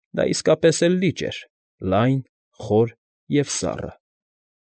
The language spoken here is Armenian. Դա իսկապես էլ լիճ էր՝ լայն, խոր և սառը։